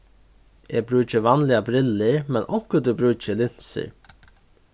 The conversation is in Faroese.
eg brúki vanliga brillur men onkuntíð brúki eg linsur